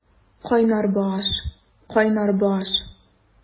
Кайнар баш, кайнар баш!